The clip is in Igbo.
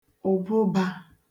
ụ̀bụbā